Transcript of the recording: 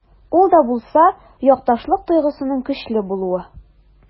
Ул да булса— якташлык тойгысының көчле булуы.